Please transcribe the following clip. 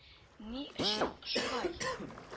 Ни өчен шулай